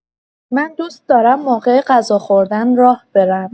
من دوست دارم موقع غذا خوردن راه برم.